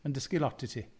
Mae'n dysgu lot i ti.